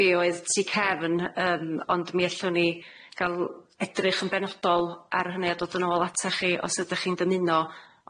be' oedd tu cefn yym ond mi ellwn ni ga'l edrych yn benodol ar hynny a dod yn ôl atach chi os ydych chi'n dymuno,